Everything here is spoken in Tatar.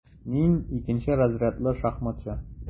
Мин - икенче разрядлы шахматчы.